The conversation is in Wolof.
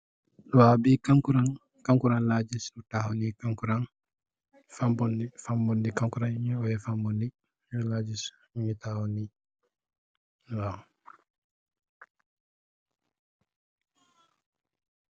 Wa bi kangkurang, kangkurang la gis mo taxaw ni kangkurang, fangbondi, fangbondi, kangkurang yu nyu wuye fangbondi, lo la gis mingi taxawni